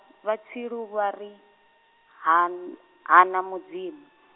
vha tsilu vha ri, han-, hana Mudzimu.